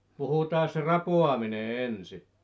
puhutaanpas se rapaaminen ensin